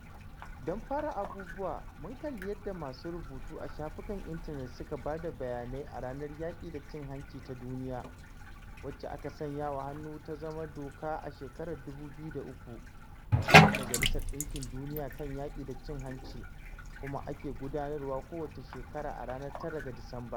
Don fara abubuwa, mun kalli yadda masu rubutu a shafukan intanet suka bada bayanai a Ranar Yaƙi da Cin Hanci ta Duniya, wacce aka sanyawa hannu ta zama doka a shekarar 2003, a taron Majalisar Ɗinkin Duniya kan Yaƙi da Cin Hanci, kuma ake gudanarwa kowace shekara a ranar 9 ga Disamba.